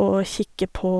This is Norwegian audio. Og kikke på